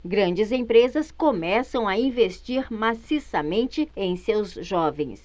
grandes empresas começam a investir maciçamente em seus jovens